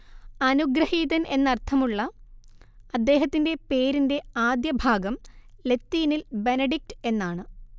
അനുഗ്രഹീതൻ എന്നർത്ഥമുള്ള അദ്ദേഹത്തിന്റെ പേരിന്റെ ആദ്യഭാഗം ലത്തീനിൽ ബെനഡിക്ട് എന്നാണ്